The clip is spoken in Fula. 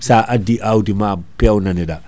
sa addi awdima pewnane ɗa